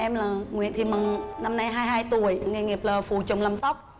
em là nguyễn thị mừng năm nay hai hai tuổi nghề nghiệp là phụ chồng làm tóc